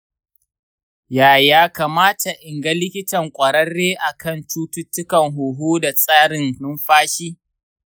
ya ya kamata in ga likitan kwararre akan cututtukan huhu da tsarin numfashi?